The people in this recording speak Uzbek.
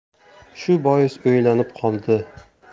shu bois o'ylanib qoldi